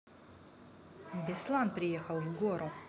беслан приехал в гору